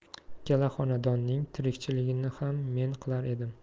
ikkala xonadonning tirikchiligini xam men qilar edim